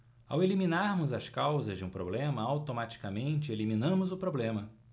ao eliminarmos as causas de um problema automaticamente eliminamos o problema